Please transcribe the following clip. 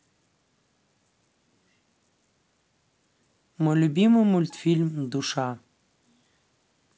мой любимый мультфильм душа